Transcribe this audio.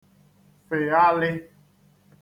fị̀ghalị̄